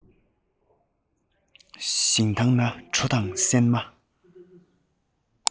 ཞིང ཐང ན གྲོ དང སྲན མ